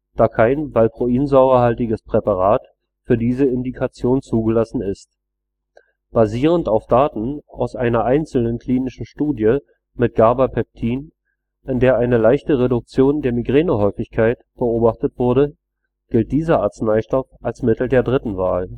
da kein valproinsäurehaltiges Präparat für diese Indikation zugelassen ist. Basierend auf Daten aus einer einzelnen klinischen Studie mit Gabapentin, in der eine leichte Reduktion der Migränehäufigkeit beobachtet wurde, gilt dieser Arzneistoff als Mittel der dritten Wahl